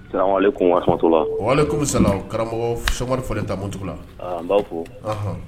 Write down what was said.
Sa karamɔgɔ sa fɔ ta munjugu la b'